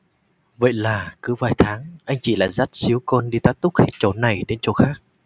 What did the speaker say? vậy là cứ vài tháng anh chị lại dắt díu con đi tá túc hết chỗ này đến chỗ khác